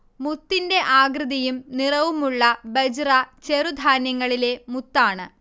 മുത്തിന്റെ ആകൃതിയും നിറവുമുള്ള ബജ്റ ചെറുധാന്യങ്ങളിലെ മുത്താണ്